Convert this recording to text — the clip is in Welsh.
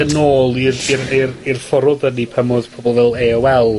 yn ôl i'r i'r i'r i'r ffor oddan ni pan odd pobol fel AOL...